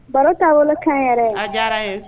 Baro t taaboloa wolo'an yɛrɛ a diyara ye